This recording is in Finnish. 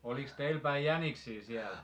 olikos teillä päin jäniksiä siellä